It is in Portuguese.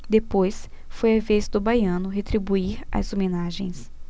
depois foi a vez do baiano retribuir as homenagens